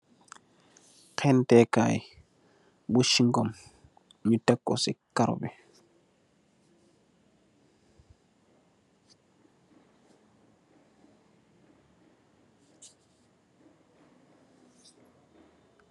Xenteh kay bu cigom ñi tek ko ci kaw karo bi.